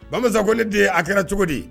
Ba ko ne de ye a kɛra cogo di